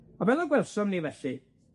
A fel y gwelsom ni felly,